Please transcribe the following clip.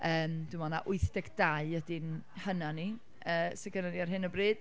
Yym, dwi'n meddwl 'na wyth deg dau ydy’n hynna ni, yy, sydd gennyn ni ar hyn o bryd.